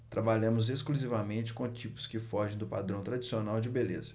trabalhamos exclusivamente com tipos que fogem do padrão tradicional de beleza